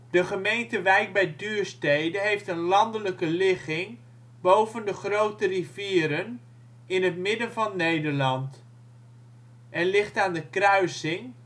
De gemeente Wijk bij Duurstede heeft een landelijke ligging boven de grote rivieren in het midden van Nederland. En ligt aan de kruising